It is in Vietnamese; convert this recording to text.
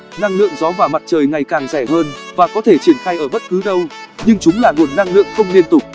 năng lượng gió và mặt trời ngày càng rẻ hơn và có thể triển khai ở bất cứ đâu nhưng chúng là nguồn năng lượng không liên tục